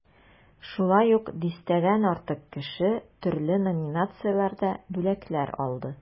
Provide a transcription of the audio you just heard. Шулай ук дистәдән артык кеше төрле номинацияләрдә бүләкләр алды.